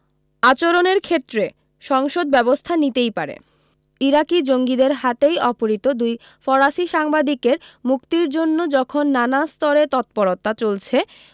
আচরণের ক্ষেত্রে সংসদ ব্যবস্থা নিতেই পারে ইরাকি জঙ্গিদের হাতেই অপহৃত দুই ফরাসি সাংবাদিকের মুক্তীর জন্য যখন নানা স্তরে তৎপরতা চলছে